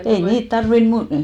ei niitä tarvinnut -